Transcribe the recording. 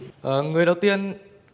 ờ người đầu tiên